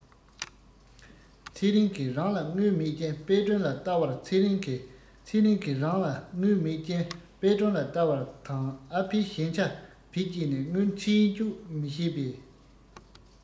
ཚེ རིང གི རང ལ དངུལ མེད རྐྱེན དཔལ སྒྲོན ལ བལྟ བར ཚེ རིང གི ཚེ རིང གི རང ལ དངུལ མེད རྐྱེན དཔལ སྒྲོན ལ བལྟ བར དང ཨ ཕའི གཞན ཆ བེད སྤྱད ནས དངུལ འཕྲིན སྤྱོད མི ཤེས པས